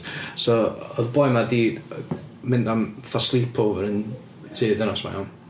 So oedd y boi 'ma 'di mynd am fatha sleepover yn tŷ y dynas yma iawn.